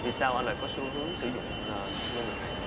vì sao anh lại có xu hướng sử dụng nguồn nhân lực này